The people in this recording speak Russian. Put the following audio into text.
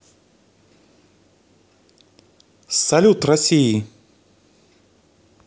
салют россии